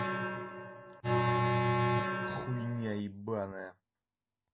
хуйня ебаная